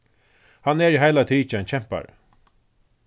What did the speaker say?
hann er í heila tikið ein kempari